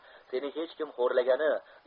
seni hech kim xo'rlagani